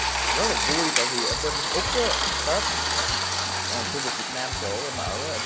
rất là vui tại vì ở bên úc á tết ờ khu vực việt nam chỗ em ở